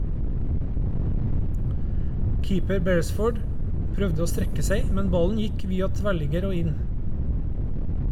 Keeper Beresford prøvde å strekke seg, men ballen gikk via tverrligger og inn.